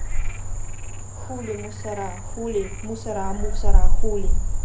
хули мусора хули мусора хули